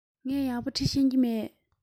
ངས ཡག པོ འབྲི ཤེས ཀྱི མེད